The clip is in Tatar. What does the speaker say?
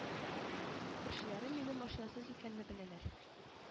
Күршеләрем минем машинасыз икәнне беләләр